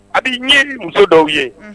A bɛ ɲɛli muso dɔw ye